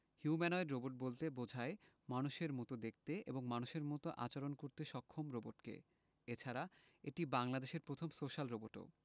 humanoid robot বলতে বোঝায় মানুষের মতো দেখতে এবং মানুষের মতো আচরণ করতে সক্ষম রোবটকে এছাড়া এটি বাংলাদেশের প্রথম সোশ্যাল রোবটও